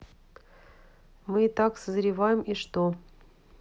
мы и так созреваем и что